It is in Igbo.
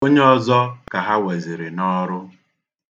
Onye ọzọ ka ha wezìrì n'ọrụ.